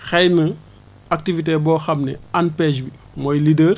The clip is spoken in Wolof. xëy na activité boo xam ne ANPEJ mooy leader